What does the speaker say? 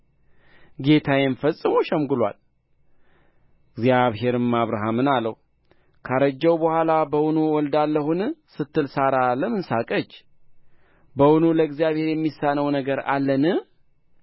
ጌታዬም ፈጽሞ ሸምግሎአል እግዚአብሔርም አብርሃምን አለው ካረጀሁ በኋላ በውኑ እወልዳለሁን ስትል ሣራ ለምን ሳቀች በውኑ ለእግዚአብሔር የሚሳነው ነገር አለን